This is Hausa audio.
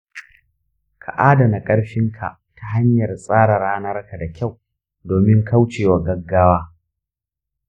ka adana ƙarfinka ta hanyar tsara ranarka da kyau domin kauce wa gaggawa.